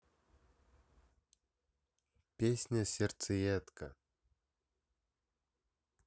песня сердцеедка